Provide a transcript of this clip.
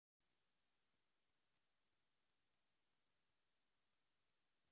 лейла блогер